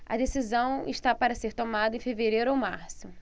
a decisão está para ser tomada em fevereiro ou março